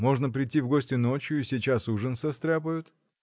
можно прийти в гости ночью и сейчас ужин состряпают?